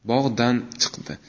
bog'dan chiqdi